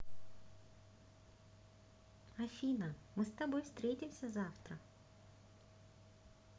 афина мы с тобой встретимся завтра